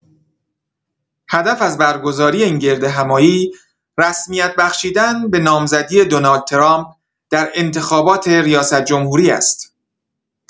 هدف از برگزاری این گردهمایی، رسمیت بخشیدن به نامزدی دونالد ترامپ در انتخابات ریاست‌جمهوری است.